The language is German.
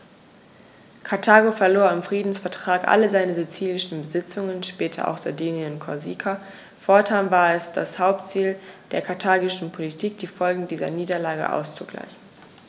Karthago verlor im Friedensvertrag alle seine sizilischen Besitzungen (später auch Sardinien und Korsika); fortan war es das Hauptziel der karthagischen Politik, die Folgen dieser Niederlage auszugleichen.